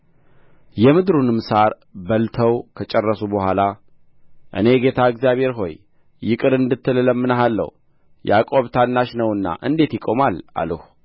የምድሩንም ሣር በልተው ከጨረሱ በኋላ እኔ ጌታ እግዚአብሔር ሆይ ይቅር እንድትል እለምንሃለሁ ያዕቆብ ታናሽ ነውና እንዴት ይቆማል አልሁ